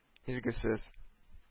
Билгесез